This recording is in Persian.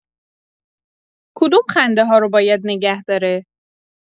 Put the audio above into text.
کدوم خنده‌ها رو باید نگه داره.